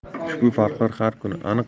ushbu farqlar har kuni aniq